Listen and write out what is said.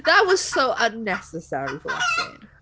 That was so unnecessary from Ekin.